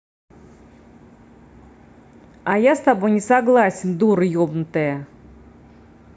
а я с тобой не согласен дура ебнутая